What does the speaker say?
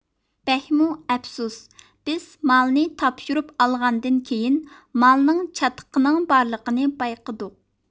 بەكمۇ ئەپسۇس بىز مالنى تاپشۇرۇپ ئالغاندىن كېيىن مالنىڭ چاتىقىنىڭ بارلىقىنى بايقىدۇق